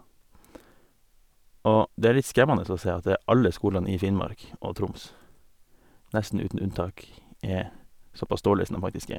Og det er litt skremmende å se at det alle skolene i Finnmark og Troms nesten uten unntak er såpass dårlig som dem faktisk er.